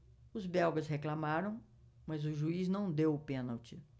os belgas reclamaram mas o juiz não deu o pênalti